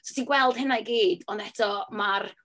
So ti'n gweld hynna i gyd, ond eto ma'r...